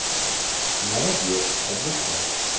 молодец отдыхай